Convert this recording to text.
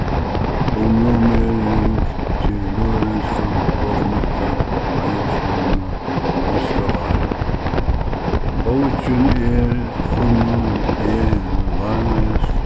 um til norðurlendsku bókmentaheiðurslønina næsta ár bókin er funnin eg varnaðist